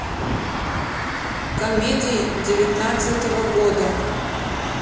комедии девятнадцатого года